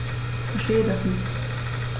Verstehe das nicht.